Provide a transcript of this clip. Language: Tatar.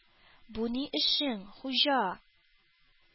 — бу ни эшең, хуҗа?